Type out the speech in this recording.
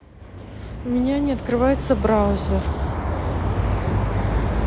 у меня не открывается браузер